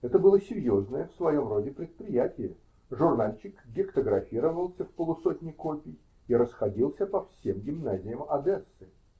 Это было серьезное в своем роде предприятие: журнальчик гектографировался в полусотне копий и расходился по всем гимназиям Одессы.